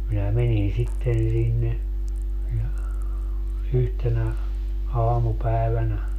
minä menin sitten sinne ja yhtenä aamupäivänä